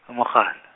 a mogala.